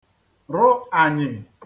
rụ ànyị̀